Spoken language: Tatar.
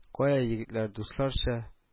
— кая, егетләр, дусларча